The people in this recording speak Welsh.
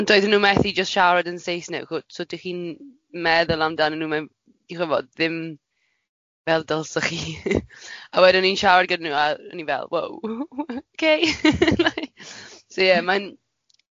...ond doeddwn nhw methu jyst siarad yn Saesneg achos so dych chi'n meddwl amdanyn nhw mae'n ddych chibod ddim fel dylsech chi a wedyn o'n i'n siarad gyda nhw a o'n i fel wow ok so yeah mae'n-